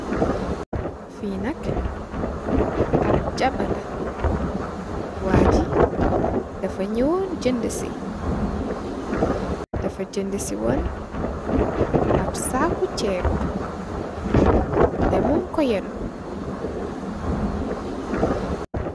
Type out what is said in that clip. Fii nak ab jaba la, waaji, dafa ñëwoon jëndë si, dafa ñëwoon jëndë ab saaku ceeb ta muñg ko ennu.